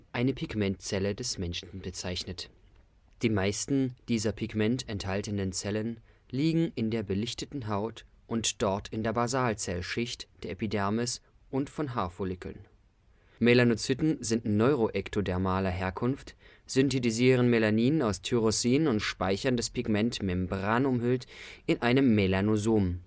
eine Pigmentzelle des Menschen bezeichnet. Lage von epidermalen Melanozyten. Links unten im Blockschema der Aufbau der Haut aus Oberhaut (Epidermis), Lederhaut (Dermis) mit Haarwurzel, und Unterhaut (Subcutis). Die meisten dieser Pigment enthaltenden Zellen liegen in der belichteten Haut und dort in der Basalzellschicht der Epidermis und von Haarfollikeln. Melanozyten sind neuroektodermaler Herkunft, synthetisieren Melanin aus Tyrosin und speichern das Pigment membranumhüllt in einem Melanosom